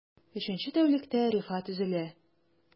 Өченче тәүлектә Рифат өзелә...